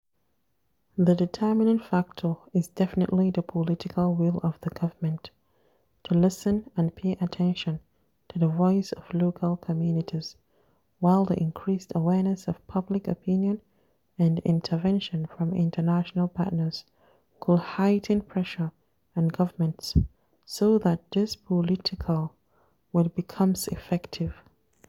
ZR: The determining factor is definitely the political will of the government to listen and pay attention to the voice of local communities, while the increased awareness of public opinion and intervention from international partners could heighten pressure on governments so that this political will becomes effective.